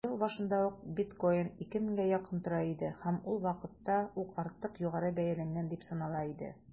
Ел башында ук биткоин 2 меңгә якын тора иде һәм ул вакытта ук артык югары бәяләнгән дип санала иде.